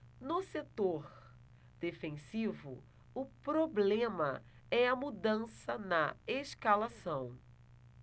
no setor defensivo o problema é a mudança na escalação